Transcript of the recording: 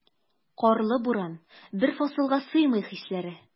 Карлы буран, бер фасылга сыймый хисләре.